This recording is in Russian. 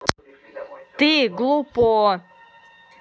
ты глупо